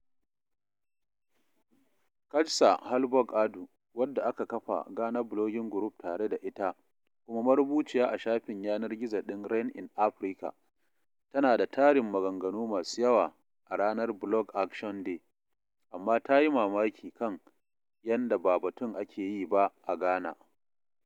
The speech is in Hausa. Kajsa Hallberg Adu, wadda aka kafa Ghana Blogging Group tare da ita, kuma marubuciya a shafin yanar gizo ɗin Rain In Africa, tana da tarin maganganu masu yawa a ranar Blog Action Day, amma ta yi mamaki kan "yanda ba batun ake yi ba a Ghana."